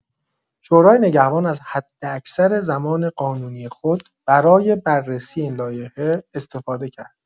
شورای نگهبان از حداکثر زمان قانونی خود برای بررسی این لایحه استفاده کرد.